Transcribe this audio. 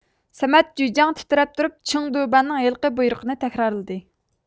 سەمەت جۈيجاڭ تىترەپ تۇرۇپ شېڭدۇبەننىڭ ھېلىقى بۇيرۇقىنى تەكرارلىدى